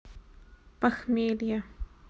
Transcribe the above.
похмелье